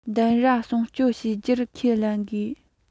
འདམ ར སྲུང སྐྱོང བྱེད རྒྱུར ཁས ལེན དགོས